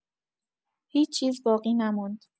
هیچ‌چیز باقی نماند.